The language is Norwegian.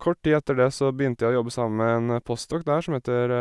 Kort tid etter det så begynte jeg å jobbe sammen med en postdoc der som heter